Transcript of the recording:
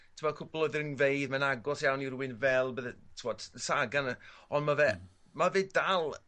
t'mo' cwpwl o ddringfeydd ma'n agos iawn i rywun fel bydde t'wod Sagan a on' ma' fe ma' fe dal